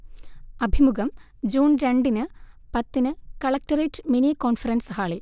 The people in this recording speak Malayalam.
അഭിമുഖം ജൂൺ രണ്ടിന് പത്തിന് കളക്ടറേറ്റ് മിനി കോൺഫറൻസ് ഹാളിൽ